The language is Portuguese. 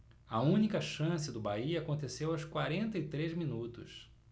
a única chance do bahia aconteceu aos quarenta e três minutos